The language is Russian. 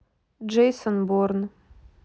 джейсон борн